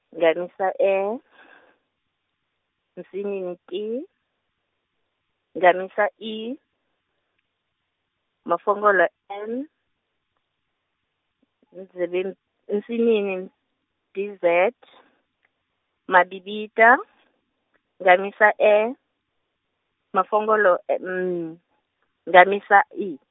nkhamisa E , nsinini T, nkhamisa I, mafonkholo M, ngunzeben- nsinini D Z , mabibita nkhamisa E, mafonkholo e- M nkhamisa I.